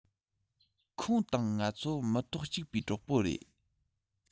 ཁོང དང ང ཚོ མི ཐོག གཅིག པའི གྲོགས པོ རེད